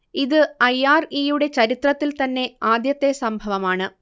ഇത് I. R. E. യുടെ ചരിത്രത്തിൽ തന്നെ ആദ്യത്തെ സംഭവമാണ്